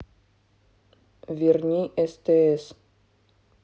верни стс